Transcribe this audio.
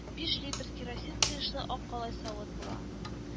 Биш литр керосин сыешлы ак калай савыт була